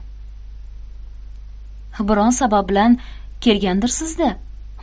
biron sabab bilan kelgandirsiz da